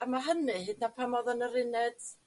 A ma' hynny hyd yn o'd pan odd yn yr uned